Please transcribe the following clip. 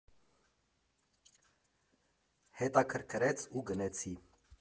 Հետաքրքրեց ու գնեցի։